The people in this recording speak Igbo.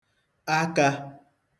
akā